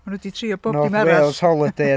Ma' nhw 'di trio bob dim..."North Wales holiday"...arall.